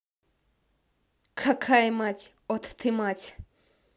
какая мать от ты мать